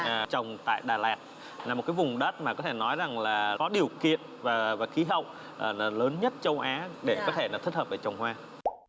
à trồng tại đà lạt là một cái vùng đất mà có thể nói rằng là có điều kiện và và khí hậu là là lớn nhất châu á để có thể là thích hợp để trồng hoa